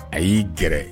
A y'i gɛrɛ